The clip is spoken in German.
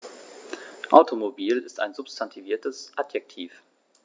Automobil ist ein substantiviertes Adjektiv.